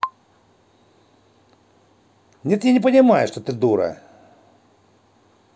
нет я не понимаю что дура